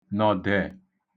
nọ̀dè